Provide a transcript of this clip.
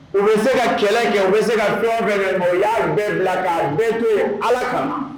U bɛ se ka kɛlɛ kɛ u bɛ se ka tɔn kɛ kɛ o y'a bɛɛ bila k bɛɛ to yen ala kan